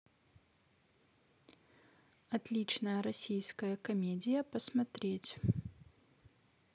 отличная российская комедия посмотреть